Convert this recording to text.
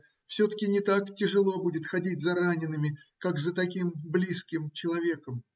Все-таки не так тяжело будет ходить за ранеными, как за таким близким человеком.